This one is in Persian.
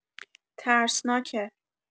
ترسناکه